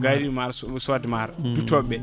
gardiriɗo maaro sodde maaro duttoɓeɓe